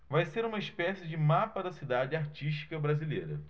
vai ser uma espécie de mapa da cidade artística brasileira